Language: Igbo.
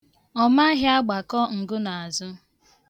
Ọ maghị agbakọ ngunaazụ.